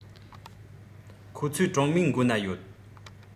ཁོ ཚོའི གྲོང མིའི མགོ ན ཡོད